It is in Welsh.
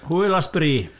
Hwyl a sbri.